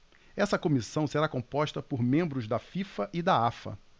essa comissão será composta por membros da fifa e da afa